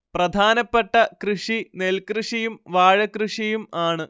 പ്രധാനപ്പെട്ട കൃഷി നെൽകൃഷിയും വാഴകൃഷിയും ആണ്